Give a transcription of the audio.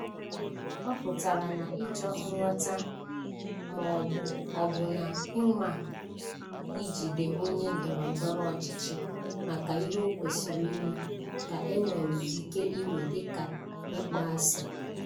Ọ pụtara na ịchọ nghọta ma ọ bụ ọbụna ịnwa ijide onye ndọrọ ndọrọ ọchịchị maka ihe o kwesịrị ime ka e nwere ike iwe dịka ịkpọasị.